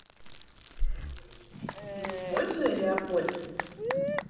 используя леопольд